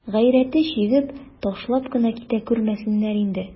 Гайрәте чигеп, ташлап кына китә күрмәсеннәр инде.